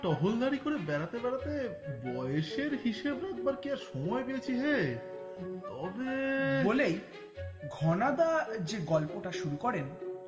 টহলদারি করে বেড়াতে বেড়াতে বসে হিসেব রাখবার কি আর সময় পেয়েছি হে তবে ঘন দেশে গল্পটা শুরু করেন